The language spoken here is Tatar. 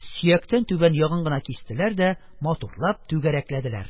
Сөяктән түбән ягын гына кистеләр дә матурлап түгәрәкләделәр.